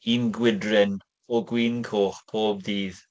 Un gwydryn o gwin coch pob dydd.